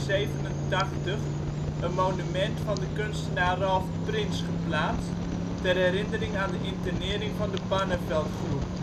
1987 een monument van de kunstenaar Ralph Prins geplaatst, ter herinnering aan de internering van de " Barneveld-groep